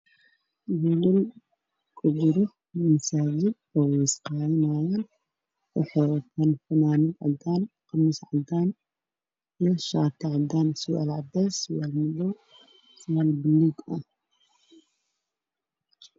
Waa niman wato funaanado cadaan ah iyo surwaalo